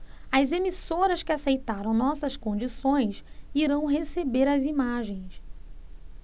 as emissoras que aceitaram nossas condições irão receber as imagens